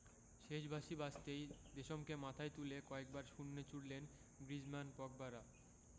শেষ বাঁশি বাজতেই দেশমকে মাথায় তুলে কয়েকবার শূন্যে ছুড়লেন গ্রিজমান পগবারা